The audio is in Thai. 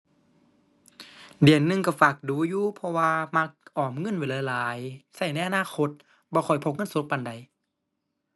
เดือนหนึ่งก็ฝากดู๋อยู่ เพราะว่ามักออมเงินไว้หลายหลาย ก็ในอนาคต บ่ค่อยพกเงินสดปานใด